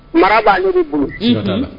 Maraba hhun